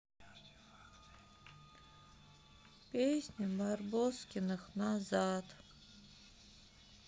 песня барбоскиных назад